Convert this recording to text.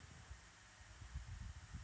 что больше голос иметь терафлопс